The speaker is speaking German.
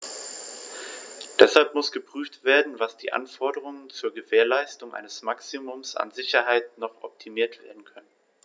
Deshalb muss geprüft werden, wie die Anforderungen zur Gewährleistung eines Maximums an Sicherheit noch optimiert werden können.